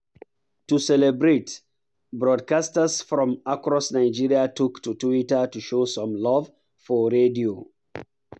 To celebrate, broadcasters from across Nigeria took to Twitter to show some love for radio: